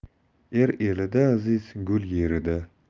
er elida aziz gul yerida